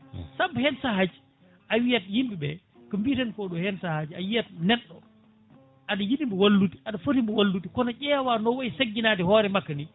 Samba hen sahaji a wiyat yimɓeɓe ko mbiten koɗo hen saahaji a yiyat neɗɗo aɗa yiɗimo wallude aɗa footi mo wallude kono ƴewa no way segginade hoore makko ni